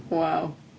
Waw.